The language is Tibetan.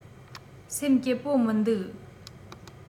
སེམས སྐྱིད པོ མི འདུག